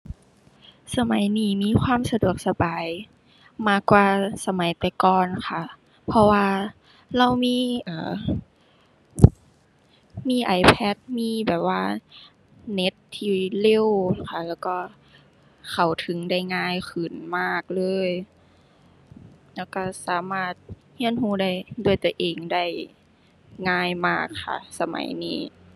สมัยนี้มีความสะดวกสบายมากกว่าสมัยแต่ก่อนค่ะ เพราะว่าเรามี เอ่อ มี iPad มีแบบว่าเน็ตที่เร็วค่ะ แล้วก็เข้าถึงได้ง่ายขึ้นมากเลย แล้วก็สามารถก็ก็ได้ด้วยตัวเองได้ง่ายมากค่ะ สมัยนี้